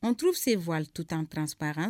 Antuuru sen w tu tanransp